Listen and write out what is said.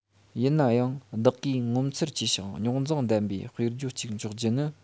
ཡིན ན ཡང བདག གིས ངོ མཚར ཆེ ཞིང རྙོག འཛིང ལྡན པའི དཔེར བརྗོད ཅིག འཇོག རྒྱུ ནི